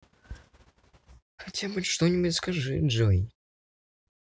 хотя бы что нибудь скажи джой